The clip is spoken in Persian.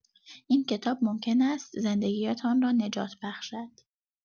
این کتاب ممکن است زندگی‌تان را نجات بخشد.